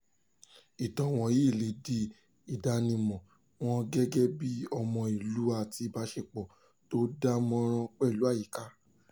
Ìtàn wọ̀nyí lè di ìdánimọ̀ọ wọn gẹ́gẹ́ bí ọmọ ìlú àti ìbáṣepọ̀ t'ó dán mánrán pẹ̀lú àyíká.